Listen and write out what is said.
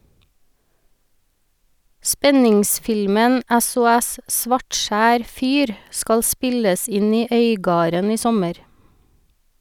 Spenningsfilmen "SOS - Svartskjær fyr" skal spilles inn i Øygarden i sommer.